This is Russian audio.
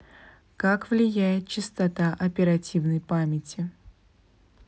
как влияет чистота оперативной памяти